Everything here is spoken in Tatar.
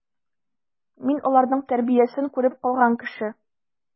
Мин аларның тәрбиясен күреп калган кеше.